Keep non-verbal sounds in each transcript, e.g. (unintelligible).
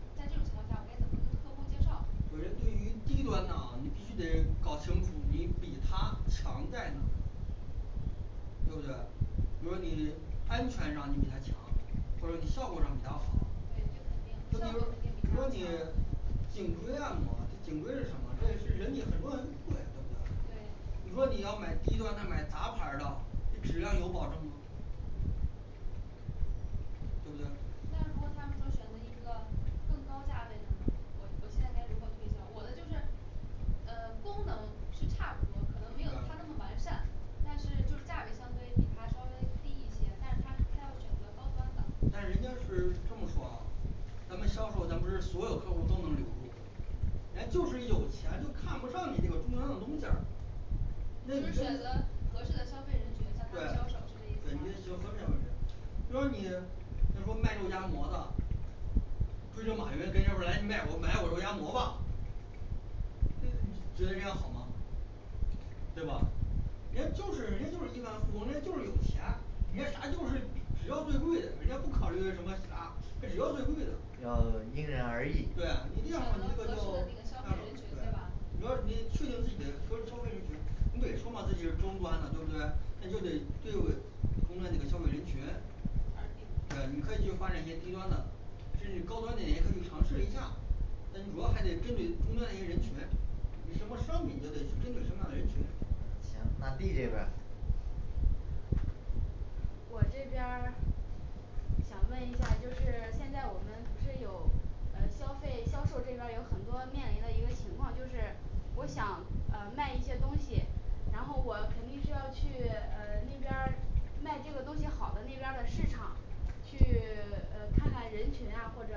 在这种情况下，我该怎么跟客户介绍，首先对于低端的啊你必须得搞清楚，你比它强在哪儿对不对比如说你安全上你比它强，或者你效果上比它好对这肯定效果肯定，所以说如果比你它好颈椎按摩他颈椎是什么？这是人体很重要一个部位对不对对你说你要买低端的买杂牌儿的，这质量有保证吗对不对那如果他们说选择一个更高价位的呢，我我现在该如何推销我的就是嗯功能是差不多，可能没有它那么完善，但是就价位相对比它稍微低一些，但是他他要选择高端的，但是人家是这么说啊咱们销售咱不是所有客户都能留住，人家就是有钱就看不上你这个中央的东西儿那就是你就选择合适的消费人群向他对销售，是这意思对你吗。这，如果你就是说卖肉夹馍的追着马云跟人家说来你买买我肉夹馍吧&嗯&觉得这样好吗对吧？人家就是人家就是亿万富翁，人家就是有钱，人家啥就是只要最贵的，人家不考虑什么啥，只要最贵的，呃因人而异对，你这样儿的话你合这适个的那就个消费人群对吧主要你确定自己的消消费人群你不也说嘛自己是中端了对不对？那就得对准中端这个消费人群而定对你可以去发展一些低端的甚至高端这些可以尝试一下但你主要还得针对中端这些人群，你什么商品就得针对什么样的人群。嗯行那D这边儿我这边儿想问一下，就是现在我们不是有嗯消费销售这边儿有很多面临的一个情况，就是我想呃卖一些东西，然后我肯定是要去呃那边儿卖这个东西好的那边儿的市场，去呃看看人群啊或者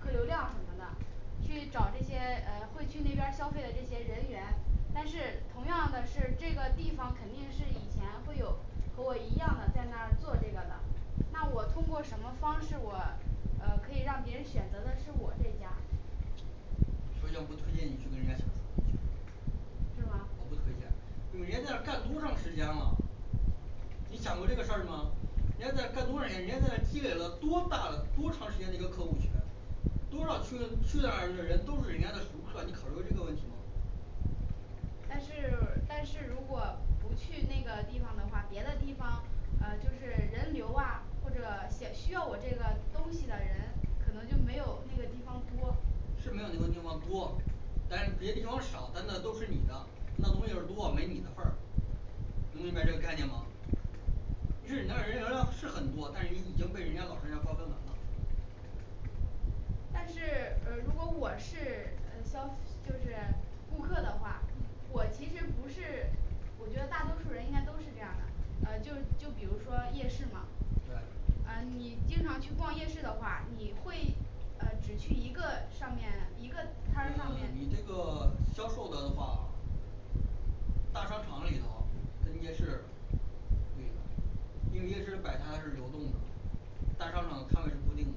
客流量什么的，去找这些呃会去那边儿消费的这些人员，但是同样的是这个地方肯定是以前会有和我一样的在那儿做这个的，那我通过什么方式我呃可以让别人选择的是我这家首先我不推荐你去跟人家抢什么是东吧西？， 我不推荐，就是人家在那儿干多长时间了你想过这个事儿吗？人家在那干多少年，人家在那积累了多大的多长时间的一个客户群多少去去哪儿的人都是人家的熟客你考虑过这个问题吗但是但是如果不去那个地方的话，别的地方呃就是人流啊或者需要我这个东西的人，可能就没有那个地方多，是没有那个地方多，但是别的地方少，但那都是你的，那儿东西儿多，没你的份儿能明白这个概念吗是你那儿人流量是很多，但是你已经被人家老实人包干完了但是呃如果我是呃消就是顾客的话嗯，我其实不是我觉得大多数人应该都是这样的，呃就就比如说夜市嘛对，啊你经常去逛夜市的话，你会呃只去一个上面一个摊儿上面，你这个销售的话，大商场里头跟夜市不一样因为夜市摆摊是流动的大商场他们是固定的。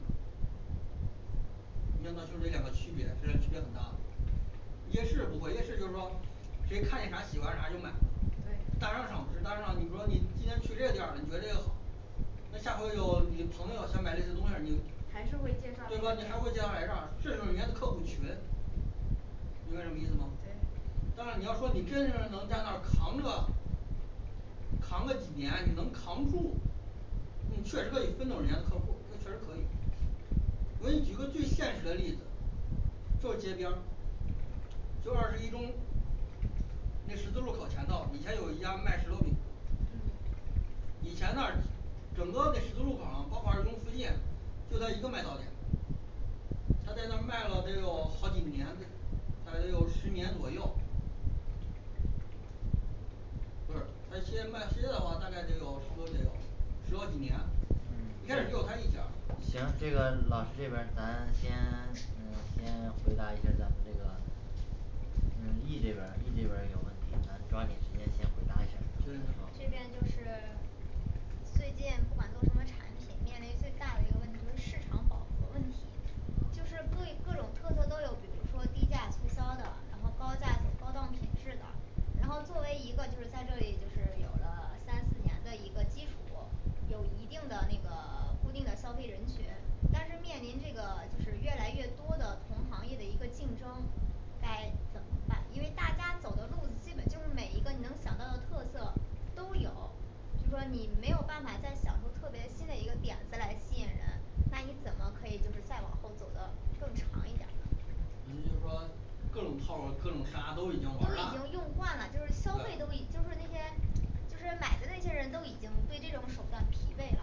就这两个区别这区别很大的夜市不会夜市就是说谁看见啥喜欢啥就买了对大商场不是大商场你说你今天去这个店儿你觉得这个好那下回有你朋友想买这个东西儿你还是会介绍对那吧个你店还铺会介绍来这儿这就是人家客户群明白什么意思吗对当然你要说你真是能在那儿扛着，扛个几年你能扛住你劝退分走人家客户儿，这确实可以我给你举个最现实的例子就是街边儿就二十一中那十字路口前头以前有一家卖石头饼的，嗯以前那儿整个那十字路口啊包括二中附近，就他一个卖早点他在那儿卖了得有好几年，大概得有十年左右不是他先卖现在的话大概得有十多年十好几年一开始只有他一家行，这个老师这边儿咱先先回答一下儿咱们这个嗯E这边儿E这边儿有问题咱抓紧时间先回答一下儿然诶好这边后就是最近不管做什么产品，面临最大的一个问题就是市场饱和问题，嗯就是各各种特色都有，比如说低价促销的，然后高价走高档品质的，然后作为一个就是在这里就是有了三四年的一个基础，有一定的那个固定的消费人群，但是面临这个就是越来越多的同行业的一个竞争该怎么办？因为大家走的路基本就是每一个你能想到的特色都有，就说你没有办法再想出特别新的一个点子来吸引人，那你怎么可以就是再往后走的更长一点儿咱就说各种套路各种啥都已经都已玩儿烂了经用惯了就是消费啊都已就是那些就是买的那些人都已经对这种手段疲惫了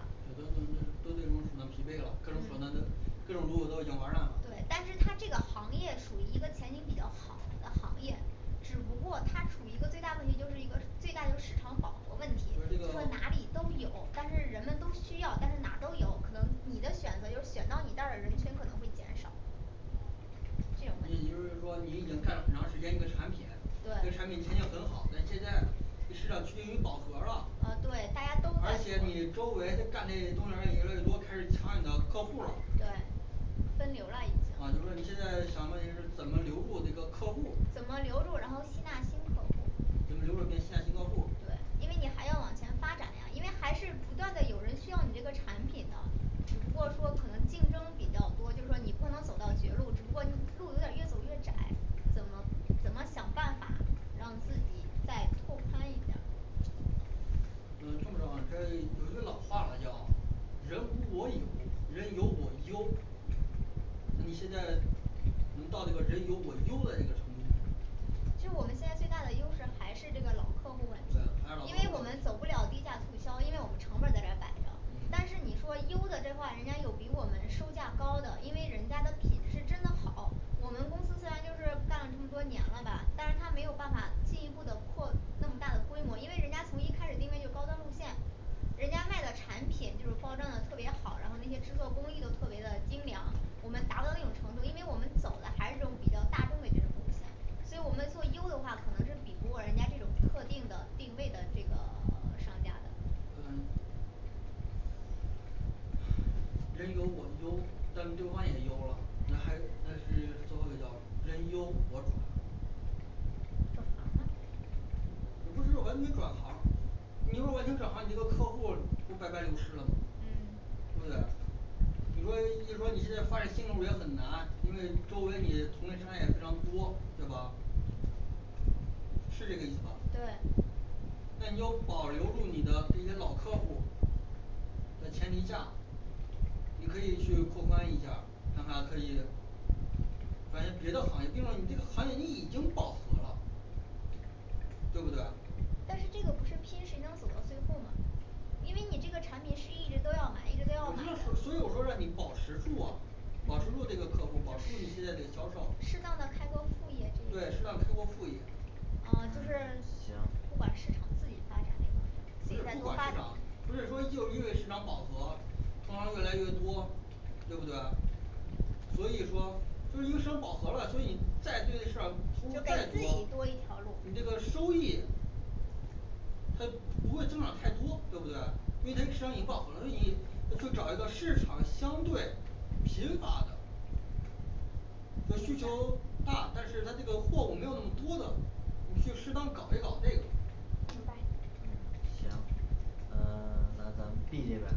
是对这种手段疲惫了各种手嗯段都各种风格都已经玩儿烂了对，但是它这个行业属于一个前景比较好的行业，只不过它处于一个最大问题，就是一个最大就是市场饱和问题就就是是说这哪个里都有但是人们都需要，但是哪都有，可能你的选择就是选到你那儿的人群可能会减少你就是说你已经干了很长时间一个产品，对这个产品前景很好，但现在市场趋于饱和儿了，呃对大家都而在且你做周围干这东西儿人越来越多，开始抢你的客户儿了对分流了已哦经就说你现在想问是怎么留住这个客户儿怎么留住然后吸纳新客户儿？怎么留住并吸纳新客户儿对因为你还要往前发展呀，因为还是不断的有人需要你这个产品的，只不过说可能竞争比较多，就是说你不能走到绝路，只不过你路有点儿越走越窄，怎么怎么想办法让自己再拓宽一下儿嗯这么着吧这有一个老话来叫，人无我有人有我优。那你现在能到这个人有我优的一个程度吗其实我们现在最大的优势还是这个老客户问对呀题还是老，客因为我们走户不了低价促销，因为我们成本儿在这儿摆着，但嗯是你说优的这话，人家有比我们售价高的，因为人家的品质是真的好，我们公司虽然就是干了这么多年了吧，但是他没有办法进一步的扩那么大的规模因为人家从一开始定位就高端路线人家卖的产品就是包装的特别好，然后那些制作工艺都特别的精良，我们达到那种程度，因为我们走的还是一种比较大众的这种路线，所以我们做优的话可能是比不过人家这种特定的定位的这个 (silence) 商家的嗯人有我优，但是对方也优了，那还有那是最后一条人优我转转行啦也不是说完全转行。你如果完全转行你这个客户不白白流失了吗嗯对不对你说就是说你现在发展新客户也很难，因为周围你同类商家也非常多，对吧是这个意思吧对那你有保留住你的这些老客户的前提下你可以去拓宽一下儿，看看可以转一别的行业另外你这个行业你已经饱和了对不对但是这个不是拼谁能走到最后吗因为你这个产品是一直都要买，一直我知都要买道的所所以我说让你保持住啊保持嗯住这个客户保持住你现在这个销售适当的开个副业，这一对类适的当开个副业嗯就是不嗯行管市场自己发展那方面不自己是再不多管发市展场不是说就因为市场饱和，同行越来越多，对不对所以说就是一个市场饱和了，所以再对这市场投入就给再自多己多一条路你这个收益它不会增长太多，对不对？因为它市场已经饱和了你去找一个市场相对贫乏的需求大，但是他这个货物没有那么多的，你就适当搞一搞这个明白行那那咱们B这边儿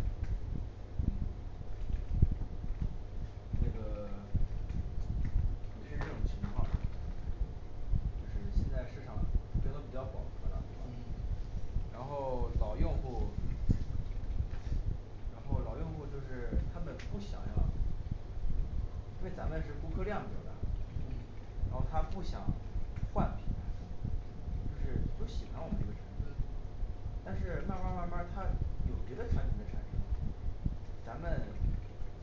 嗯那个 (silence) 也是这种情况就是现在市场普遍都比较饱和了对吧嗯然后老用户然后老用户就是他们不想要因为咱们是顾客量比较大，嗯然后他不想换品牌就是都喜欢我们这个产品，但是慢儿慢儿慢儿慢儿他有别的产品的产生咱们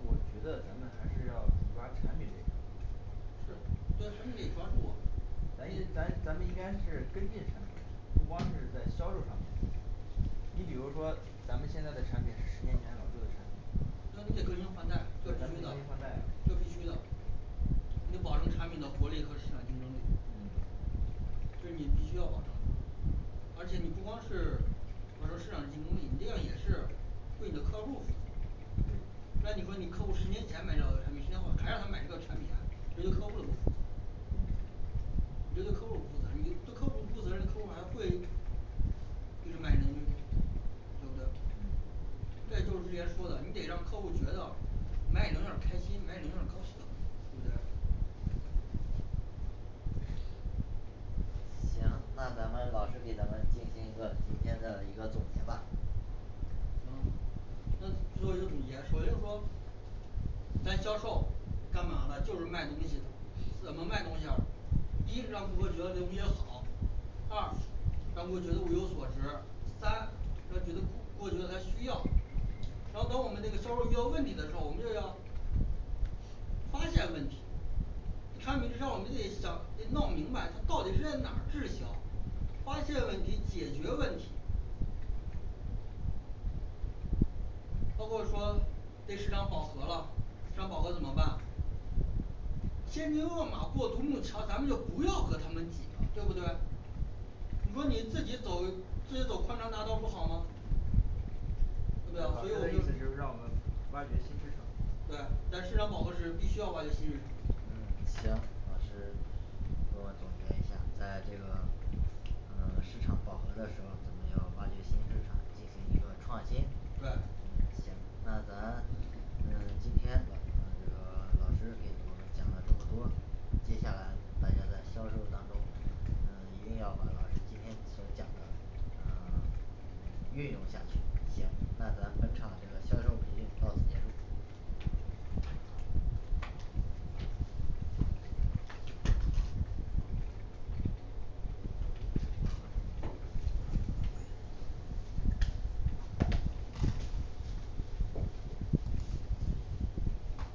我觉得咱们还是要主抓产品这块儿是这产品你得抓住啊咱也咱咱们应该是跟进产品，不光是在销售上面你比如说咱们现在的产品是十年前老旧的产品，对那咱你们得得更更新新换代换代呀这必须的得保证产品的活力和市场竞争力嗯。这是你必须要保证的而且你不光是他说市场竞争力你那样也是对你的客户儿对那你说你客户十年前买到的产品，十年后还让他买这个产品，那就客户的不负责嗯你这对客户儿不负责任，你对客户儿不负责任客户儿还会就买你东西吗对不对嗯这就是之前说的你得让客户觉得买你东西儿开心，买你东西儿高兴，对不对行，那咱们老师给咱们进行一个今天的一个总结吧。嗯那最后一个总结首先就是说咱销售干嘛呢就是卖东西的，怎么卖东西儿第一个让顾客觉得这东西好二他们会觉得物有所值三他觉得或 (unintelligible) 或者他需要然后当我们这个销售遇到问题的时候，我们又要发现问题产品滞销我们得想得弄明白它到底是在哪儿滞销，发现问题、解决问题包括说这市场饱和了，市场饱和怎么办千军万马过独木桥咱们就不要和他们挤了对不对你说你自己走自己走宽敞大道不好吗老师的意思就是让我们挖掘新市场对，在市场饱和时必须要挖掘新市场，嗯行。老师我总结一下，在这个呃市场饱和的时候，我们要挖掘新市场进行一个创新嗯对行那咱嗯今天嗯这个老师给我们讲了这么多，接下来大家在销售当中嗯一定要把老师今天所讲的嗯嗯运用下去，行，那咱本场这个销售培训到此结束